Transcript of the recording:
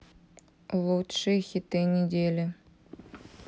лучшие хиты недели